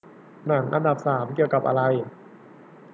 หนังอันดับสามเกี่ยวกับอะไร